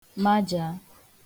majàa